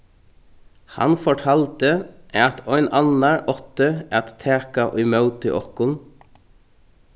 hann fortaldi at ein annar átti at taka ímóti okkum